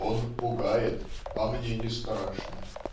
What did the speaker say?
"он пугает, а мне не страшно".